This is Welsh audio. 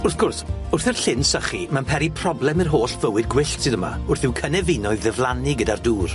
Wrth gwrs, wrth i'r llyn sychu, ma'n peri problem i'r holl fywyd gwyllt sydd yma, wrth i'w cynefinoedd ddiflannu gyda'r dŵr.